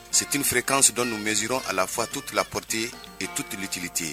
Setinifierekan sidɔn ninnu mɛnzi a lafa tu kila pote i tu tulitilite yen